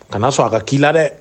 A na sɔn a ka k'i la dɛ